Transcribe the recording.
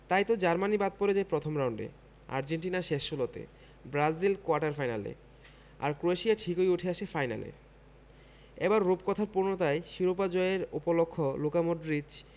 তাইতো জার্মানি বাদ পড়ে যায় প্রথম রাউন্ডে আর্জেন্টিনা শেষ ষোলোতে ব্রাজিল কোয়ার্টার ফাইনালে আর ক্রোয়েশিয়া ঠিকই উঠে আসে ফাইনালে এবার রূপকথার পূর্ণতায় শিরোপা জয়ের উপলক্ষ লুকা মডরিচ